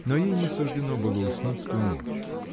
Но ей не суждено было уснуть в ту ночь.